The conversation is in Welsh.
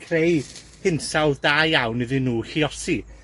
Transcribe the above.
creu hinsawdd da iawn iddyn nw lluosi.